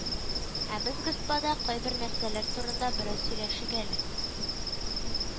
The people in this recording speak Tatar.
Ә без, господа, кайбер нәрсәләр турында бераз сөйләшик әле